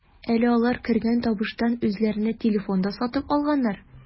Әле алар кергән табыштан үзләренә телефон да сатып алганнар.